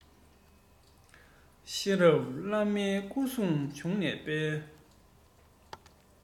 གཤེན རབ བླ མ སྐུ གསུམ འབྱུང གནས དཔལ